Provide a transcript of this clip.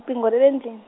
-qingo ra le ndlwini.